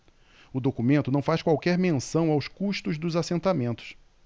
o documento não faz qualquer menção aos custos dos assentamentos